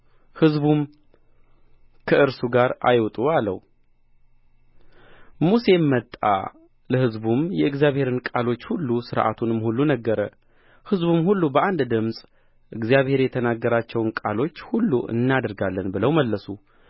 ሕዝቡም ከእርሱ ጋር አይውጡ አለው ሙሴም መጣ ለሕዝቡም የእግዚአብሔርን ቃሎች ሁሉ ሥርዓቱንም ሁሉ ነገረ ሕዝቡም ሁሉ በአንድ ድምፅ እግዚአብሔር የተናገራቸውን ቃሎች ሁሉ እናደርጋለን ብለው መለሱ